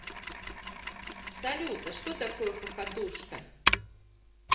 салют а что такое хохотушка